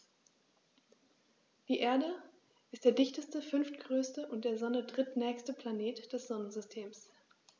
Die Erde ist der dichteste, fünftgrößte und der Sonne drittnächste Planet des Sonnensystems.